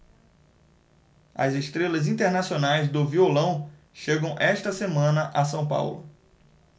as estrelas internacionais do violão chegam esta semana a são paulo